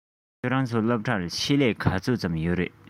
ཁྱོད རང ཚོའི སློབ གྲྭར ཆེད ལས ག ཚོད ཙམ ཡོད ན